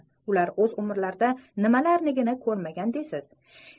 ular o'z umrlarida nimalarnigina ko'rmagan deysiz